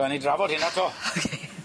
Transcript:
Rhai' ni drafod hyn ato. Oce.